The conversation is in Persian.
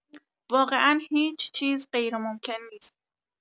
واقعا هیچ‌چیز غیرممکن نیست!